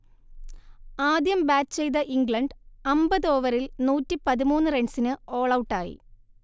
ആദ്യം ബാറ്റ് ചെയ്ത ഇംഗ്ലണ്ട് അമ്പതോവറിൽ നൂറ്റി പതിമൂന്നു റൺസിന് ഓൾഔട്ടായി